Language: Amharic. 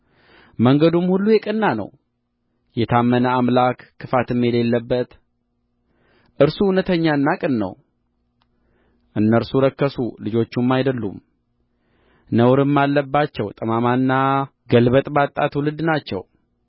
መንገዱም ሁሉ የቀና ነው የታመነ አምላክ ክፋትም የሌለበት እርሱ እውነተኛና ቅን ነው እነርሱ ረከሱ ልጆቹም አይደሉም ነውርም አለባቸው ጠማማና ገልበጥባጣ ትውልድ ናቸው